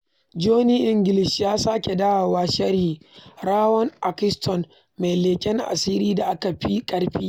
Johnny English Ya Sake Dawowa sharhi - Rowan Atkinson mai leƙen asiri da aka fi karfi